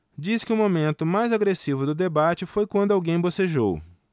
diz que o momento mais agressivo do debate foi quando alguém bocejou